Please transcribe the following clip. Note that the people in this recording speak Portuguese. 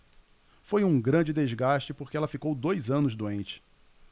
foi um grande desgaste porque ela ficou dois anos doente